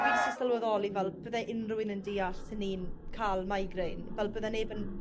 fi jys 'di sylweddoli fel bydde unryw un yn deall 'sen i'n ca'l migraine fel bydde neb yn